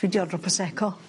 dwi 'di ordro prosecco.